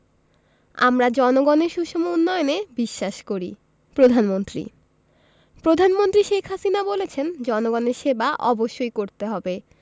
আমরা জনগণের সুষম উন্নয়নে বিশ্বাস করি প্রধানমন্ত্রী প্রধানমন্ত্রী শেখ হাসিনা বলেছেন জনগণের সেবা অবশ্যই করতে হবে